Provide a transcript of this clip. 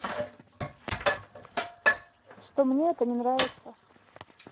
что мне это не нравится